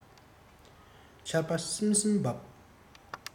ཆར པ བསིམ བསིམ འབབས